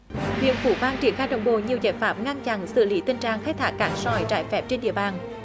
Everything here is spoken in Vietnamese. huyện phú vang triển khai đồng bộ nhiều giải pháp ngăn chặn xử lý tình trạng khai thác cát sỏi trái phép trên địa